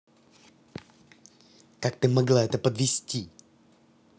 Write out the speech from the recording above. как ты могла это подвести